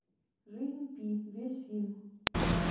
жизнь пи весь фильм